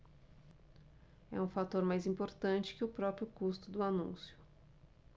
é um fator mais importante que o próprio custo do anúncio